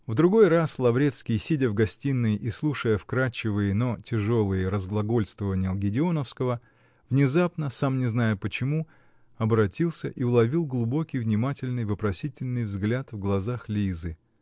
В другой раз Лаврецкий, сидя в гостиной и слушая вкрадчивые, но тяжелые разглагольствования Гедеоновского, внезапно, сам не зная почему, оборотился и уловил глубокий, внимательный, вопросительный взгляд в глазах Лизы.